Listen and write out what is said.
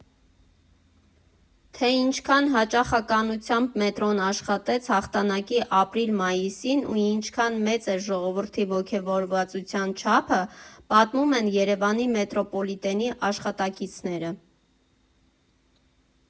Թե ինչքան հաճախականությամբ մետրոն աշխատեց հաղթանակի ապրիլ֊մայիսին ու ինչքան մեծ էր ժողովրդի ոգևորության չափը, պատմում են Երևանի մետրոպոլիտենի աշխատակիցները։